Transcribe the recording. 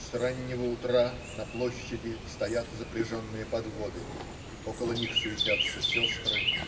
С раннего утра на площади стоят запряженные подводы. Около них суетятся сестры.